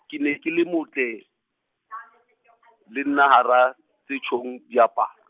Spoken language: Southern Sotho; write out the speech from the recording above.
ke ne ke le motle , le nna hara, tse tjhong, diaparo.